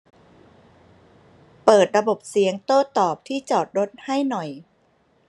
เปิดระบบเสียงโต้ตอบที่จอดรถให้หน่อย